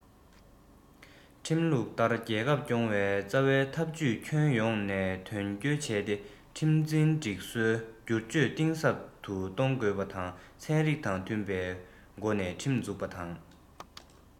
ཁྲིམས ལུགས ལྟར རྒྱལ ཁབ སྐྱོང བའི རྩ བའི ཐབས ཇུས ཁྱོན ཡོངས ནས དོན འཁྱོལ བྱས ཏེ ཁྲིམས འཛིན སྒྲིག སྲོལ སྒྱུར བཅོས གཏིང ཟབ ཏུ གཏོང དགོས པ དང ཚན རིག དང མཐུན པའི སྒོ ནས ཁྲིམས འཛུགས པ དང